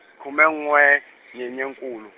khume n'we, Nyenyankulu.